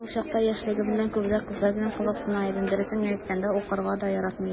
Мин ул чакта, яшьлегем белән, күбрәк кызлар белән кызыксына идем, дөресен генә әйткәндә, укырга яратмый идем...